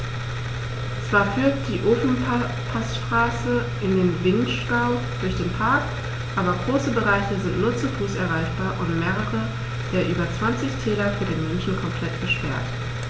Zwar führt die Ofenpassstraße in den Vinschgau durch den Park, aber große Bereiche sind nur zu Fuß erreichbar und mehrere der über 20 Täler für den Menschen komplett gesperrt.